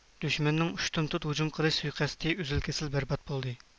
ئىسلام دىنى مۇھەممەد پەيغەمبەر قازا قىلىپ ئۇزاق ئۆتمەي پارچىلانغان